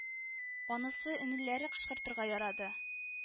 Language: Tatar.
Анысы энеләре кычкыртырга ярады